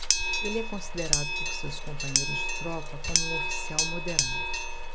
ele é considerado por seus companheiros de tropa como um oficial moderado